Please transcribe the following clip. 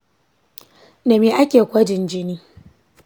don me ake gwajin jini?